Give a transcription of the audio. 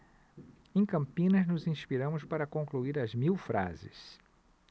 em campinas nos inspiramos para concluir as mil frases